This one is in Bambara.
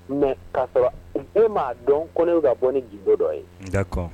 Mɛ k' sɔrɔ e m'a dɔn kɔn ka bɔ ni ji dɔ ye